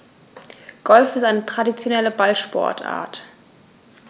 Golf ist eine traditionelle Ballsportart.